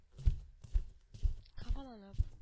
Хафаланып